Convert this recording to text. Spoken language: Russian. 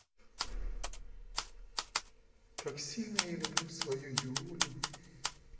как сильно я люблю свою юлю